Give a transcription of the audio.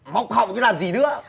móc họng chứ làm gì nữa